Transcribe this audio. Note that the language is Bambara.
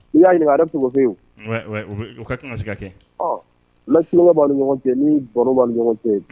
I y'a yɛlɛma tɔgɔfin yen u ka se ka kɛ las b'aw ni ɲɔgɔn cɛ ni baro b'a ni ɲɔgɔn cɛ